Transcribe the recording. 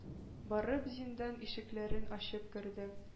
Барып зиндан ишекләрен ачып керде,